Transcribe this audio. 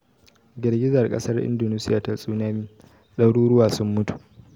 Girgizar kasar Indonesia ta tsunami: daruruwa sun mutu